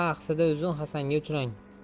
axsida uzun hasanga uchrang